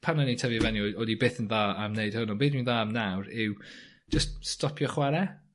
pan o'n i'n tyfu i fyny o- o'n i byth yn dda am wneud hwn ond be' dwi'n i'n dda am nawr yw jyst stopio chware.